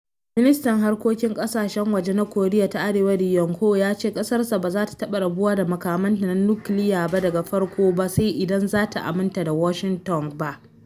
Ministan Harkokin Ƙasashen Waje na Koriya ta Arewa Ri Yong Ho ya ce ƙasarsa ba za ta taɓa rabuwa da makamanta na nukiliya daga farko ba sai idan ba za aminta da Washington ba.